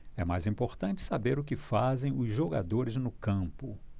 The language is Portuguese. é mais importante saber o que fazem os jogadores no campo